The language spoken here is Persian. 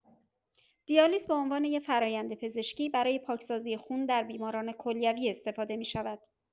دیالیز به عنوان یک فرایند پزشکی برای پاکسازی خون در بیماران کلیوی استفاده می‌شود.